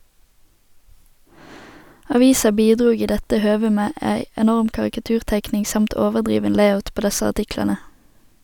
Avisa bidrog i dette høvet med ei enorm karikaturteikning, samt overdriven layout, på desse artiklane.